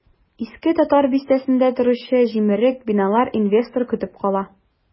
Иске татар бистәсендә торучы җимерек биналар инвестор көтеп кала.